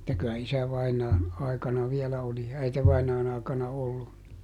että kyllä isävainajan aikana vielä oli äitivainajan aikana ollut